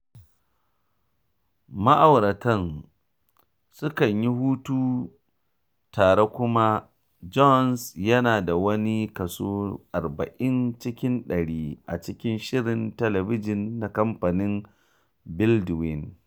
Ma’auratan sukan yi hutu tare kuma Jones yana da wani kaso 40 cikin dari a cikin shirin talabijin na kamfanin Baldwin.